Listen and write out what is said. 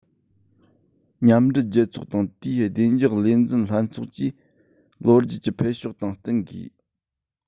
མཉམ འབྲེལ རྒྱལ ཚོགས དང དེའི བདེ འཇགས ལས འཛིན ལྷན ཚོགས ཀྱིས ལོ རྒྱུས ཀྱི འཕེལ ཕྱོགས དང བསྟུན དགོས